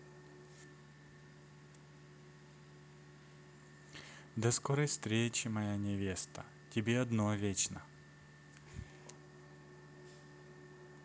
до скорой встречи моя невеста тебе одно вечно